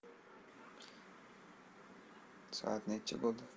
soat necha bo'ldi